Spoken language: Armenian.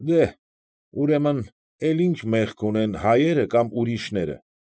Դե՜հ, ուրեմն, էլ ի՞նչ մեղք ունեն հայերը կամ ուրիշները։